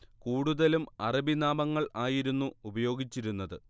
കൂടുതലും അറബി നാമങ്ങൾ ആയിരുന്നു ഉപയോഗിച്ചിരുന്നത്